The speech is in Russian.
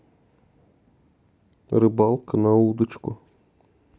рыбалка на удочку